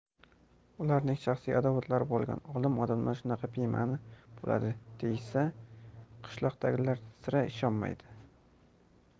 ularning shaxsiy adovatlari bo'lgan olim odamlar shunaqa bemani bo'ladi deyishsa qishloqdagilar sira ishonmaydi